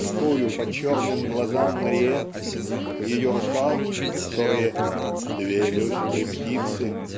тоскою по черным глазам Мариэтт по ее рукам которые "две легкие птицы"